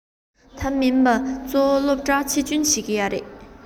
དེ མིན པ གཙོ བོ སློབ གྲྭར ཕྱི འབྱོར བྱེད ཀྱི ཡོད རེད